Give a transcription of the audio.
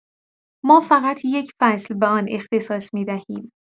ما فقط یک فصل به آن اختصاص می‌دهیم.